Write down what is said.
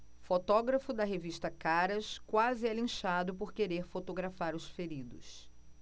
fotógrafo da revista caras quase é linchado por querer fotografar os feridos